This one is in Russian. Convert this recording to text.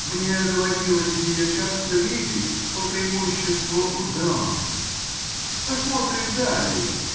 мне доводилось ее часто видеть, по преимуществу у дам. Посмотрим далее.